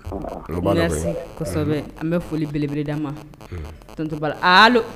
An bɛ foli belebda ma